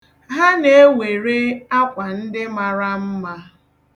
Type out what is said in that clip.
Ha na-ewere akwa ndị mara mma.